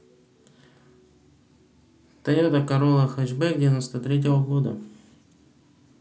toyota corolla хэчбэк девяносто третьего года